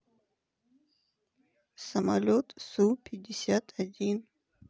самолет су пятьдесят один